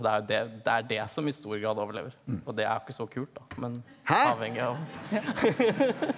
det er jo det det er det som i stor grad overlever og det er ikke så kult da men av.